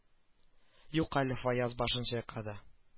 Юк әле фаяз башын чайкады